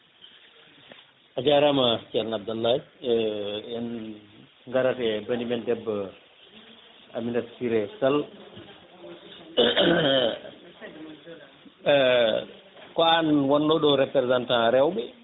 a jarama ceerno Abdoulaye e en garat e banimen debbo Aminata Ciré Sall ko an wonnoɗo représentant rewɓe